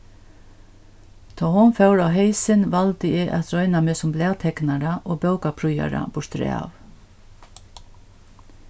tá hon fór á heysin valdi eg at royna meg sum blaðteknara og bókaprýðara burturav